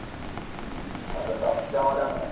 toza topibsan odamini